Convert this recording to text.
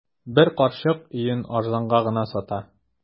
Бер карчык өен арзанга гына сата.